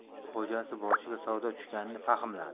u xo'jasi boshiga savdo tushganini fahmladi